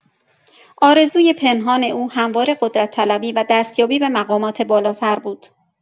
آرزوی پنهان او همواره قدرت‌طلبی و دستیابی به مقامات بالاتر بود.